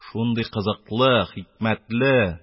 Шундый кызыклы, хикмәтле...